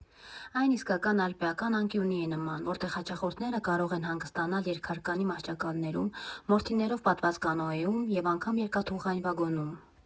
Այն իսկական ալպիական անկյունի է նման, որտեղ հաճախորդները կարող են հանգստանալ երկհարկանի մահճակալներում, մորթիներով պատված կանոեում և անգամ երկաթուղային վագոնում։